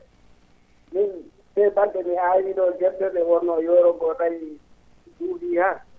mbiimi ?e bal?e mi awii ?oo gerte ?o wonno yooro ngoo tawi ?uu?ii haa